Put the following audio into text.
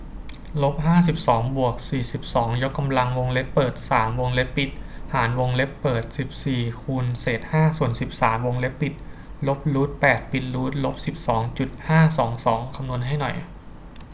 ลบห้าสิบสองบวกสี่สิบสองยกกำลังวงเล็บเปิดสามวงเล็บปิดหารวงเล็บเปิดสิบสี่คูณเศษห้าส่วนสิบสามวงเล็บปิดลบรูทแปดปิดรูทลบสิบสองจุดห้าสองสองคำนวณให้หน่อย